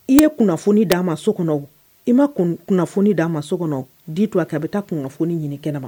I ye kunnafoni d'a ma so kɔnɔ i ma kunnafoni d'a ma so kɔnɔ di tun a ka bɛ taa kunnafoni ɲini kɛnɛ ma